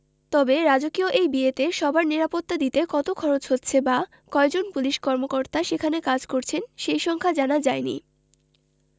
তবে রাজকীয় এই বিয়েতে সবার নিরাপত্তা দিতে কত খরচ হচ্ছে বা কয়জন পুলিশ কর্মকর্তা সেখানে কাজ করছেন সেই সংখ্যা জানা যায়নি